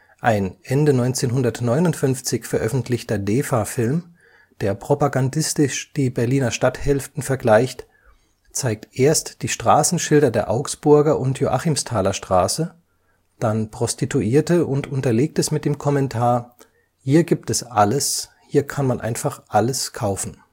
Ein Ende 1959 veröffentlichter DEFA-Film, der propagandistisch die Berliner Stadthälften vergleicht, zeigt erst die Straßenschilder der Augsburger und Joachimstaler Straße, dann Prostituierte und unterlegt es mit dem Kommentar „ Hier gibt es alles, hier kann man einfach alles kaufen…